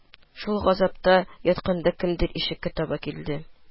Шул газапта ятканда кемдер ишеккә таба килде